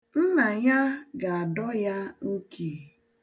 Nna ya ga-adọ ya nki.